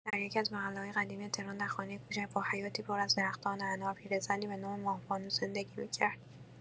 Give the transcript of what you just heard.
در یکی‌از محله‌های قدیمی تهران، در خانه‌ای کوچک با حیاطی پر از درختان انار، پیرزنی به نام ماه‌بانو زندگی می‌کرد.